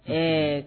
H